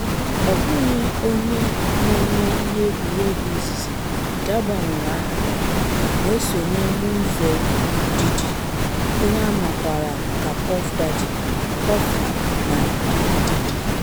Ọ bụghị onye na-eme ihe egwuregwu izizi nke gbanwere aha ya, na-esonye na nzọ ụkwụ Diddy, onye amakwara ka Puff Daddy, Puffy na P.Diddy.